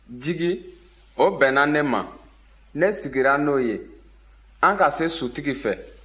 jigi o bɛnna ne ma ne sigira n'o ye an ka se sutigi fɛ